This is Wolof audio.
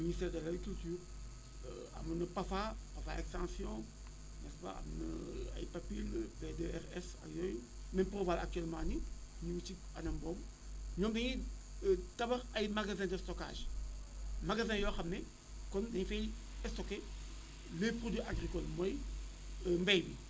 ministère de l' agriculture amoon na Pafa Pafa extension n' est ce pas am na ay Papin PDRS ak yooyu même Proval actuellement nii mu ngi ci anam boobu ñoom dañuy tabax ay magasins de stockage magasins yoo xam ne comme dañu fay stocké les produits agricoles mooy mbéy mi